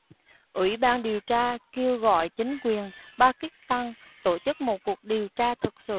ủy ban điều tra kêu gọi chính quyền pakistan tổ chức một cuộc điều tra thực sự